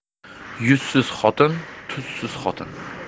yuzsiz xotin tuzsiz xotin